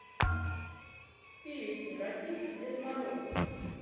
песня российский дед мороз